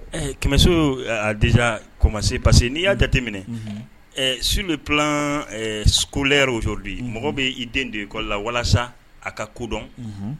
Kɛmɛso dɛsɛja komase parce que n'i y'a jateminɛ su bɛ pan kolɛ odi mɔgɔ bɛ i den de kɔ la walasa a ka kodɔn